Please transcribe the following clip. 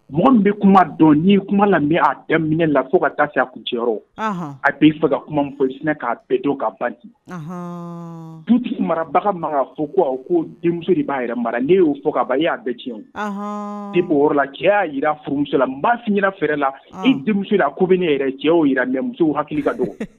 Mɔgɔ min bɛ kuma dɔn n kuma na bɛ'a tɛmɛminɛ la fo ka taa se kun cɛ a' faga ka kuma min fɔ k'a bɛɛ don ka ban du marabaga makan fo ko ko denmuso de b'a mara ne y'o fɔ'a e'a bɛɛ tiɲɛ o la cɛ'a jira furumusola n bafin fɛrɛɛrɛ la denmuso la k ko bɛ ne yɛrɛ cɛ o jira mɛ musow hakili ka don